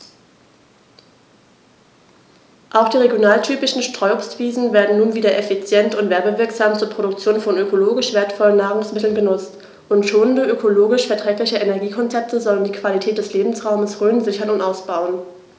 Auch die regionaltypischen Streuobstwiesen werden nun wieder effizient und werbewirksam zur Produktion von ökologisch wertvollen Nahrungsmitteln genutzt, und schonende, ökologisch verträgliche Energiekonzepte sollen die Qualität des Lebensraumes Rhön sichern und ausbauen.